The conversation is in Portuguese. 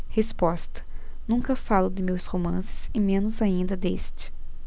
resposta nunca falo de meus romances e menos ainda deste